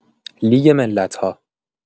لیگ ملت‌ها